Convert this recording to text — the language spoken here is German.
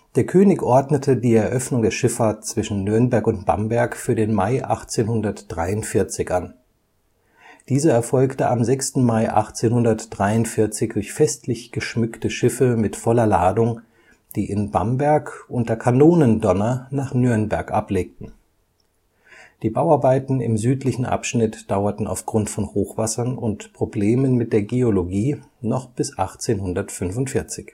Der König ordnete die Eröffnung der Schifffahrt zwischen Nürnberg und Bamberg für den Mai 1843 an. Diese erfolgte am 6. Mai 1843 durch festlich geschmückte Schiffe mit voller Ladung, die in Bamberg unter Kanonendonner nach Nürnberg ablegten. Die Bauarbeiten im südlichen Abschnitt dauerten aufgrund von Hochwassern und Problemen mit der Geologie noch bis 1845